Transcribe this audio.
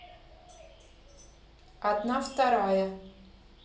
одна вторая